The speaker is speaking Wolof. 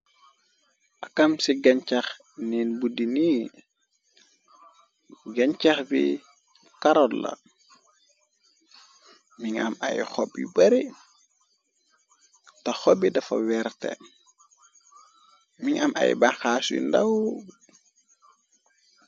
Akam ci gañcax neet buddi ni gañcax bi karotla mingi am ay xob yu bari te xobi dafa weerte mingi am ay banxaas yu ndaw.